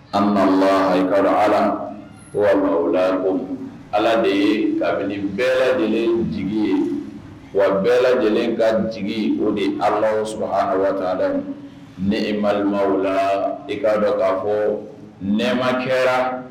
An i ka ala o la ko ala de ye kabini bɛɛ lajɛlen jigi ye wa bɛɛ lajɛlen ka jigi o di ala surabata lamɛn ne ma o la i kaa dɔn k kaa fɔ nɛma kɛra